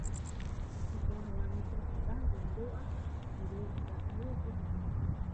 Halkaan waxaa yaalo cunto cadaan iyo madow ah korna dahabi.